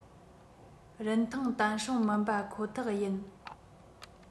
རིན ཐང བརྟན སྲུང མིན པ ཁོ ཐག ཡིན